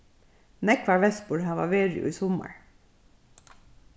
nógvar vespur hava verið í summar